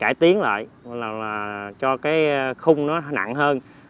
cải tiến lại là cho cái khung nó nặng hơn